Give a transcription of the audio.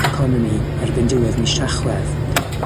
heconomi erbyn diwedd mis Tachwedd,